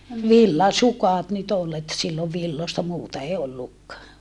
villasukat nyt oli että silloin villoista muuta ei ollutkaan